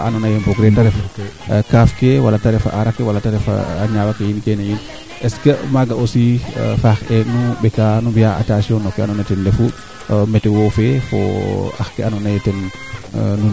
mengooru fo ten a jega wiin wa ando naye yaal ndeet lax maako a ndoka nga no ndiing kaa jega keede ndeet luwa no duufe le bo a tax a jega xa axa xa andoo naye